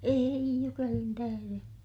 ei jukelin tähden